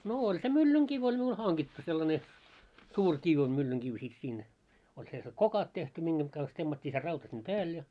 no oli se myllynkivi oli minulla hangittu sellainen suuri kivi on myllynkivi sitten siinä oli sellaiset kokat tehty mihin kanssa temmattiin se rauta sitten päälle ja